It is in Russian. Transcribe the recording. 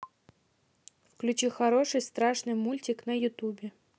включи хороший страшный мультик на ютубе